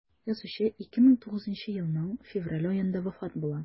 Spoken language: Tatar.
Язучы 2009 елның февраль аенда вафат була.